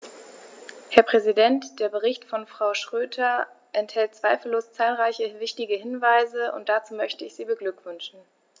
Herr Präsident, der Bericht von Frau Schroedter enthält zweifellos zahlreiche wichtige Hinweise, und dazu möchte ich sie beglückwünschen.